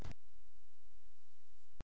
*